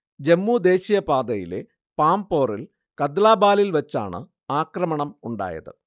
ജമ്മു ദേശീയപാതയിലെ പാംപോറിൽ കദ്ലാബാലിൽ വച്ചാണ് ആക്രമണം ഉണ്ടായത്